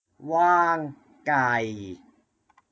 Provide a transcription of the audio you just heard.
วางไก่